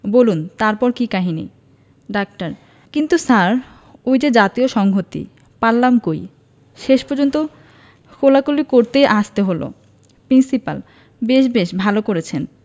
বুলন তারপর কি কাহিনী ডাক্তার কিন্তু স্যার ওই যে জাতীয় সংহতি পারলাম কই শেষ পর্যন্ত কোলাকুলি করতেই আসতে হলো প্রিন্সিপাল বেশ বেশ ভালো করেছেন